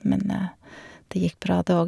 Men det gikk bra det òg.